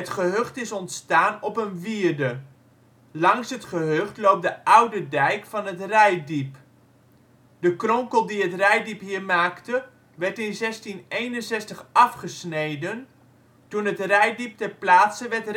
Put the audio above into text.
gehucht is ontstaan op een wierde. Langs het gehucht loopt de oude dijk van het Reitdiep. De kronkel die het Reitdiep hier maakte werd in 1661 afgesneden toen het Reitdiep ter plaatse werd